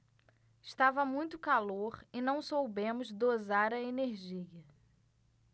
estava muito calor e não soubemos dosar a energia